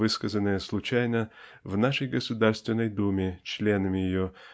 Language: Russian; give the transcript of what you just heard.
высказанные случайно в нашей Государственной Думе членами ее